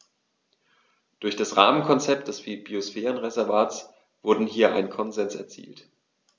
Durch das Rahmenkonzept des Biosphärenreservates wurde hier ein Konsens erzielt.